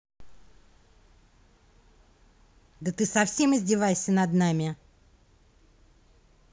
да ты совсем издевайся над нами